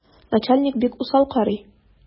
Начальник бик усал карый.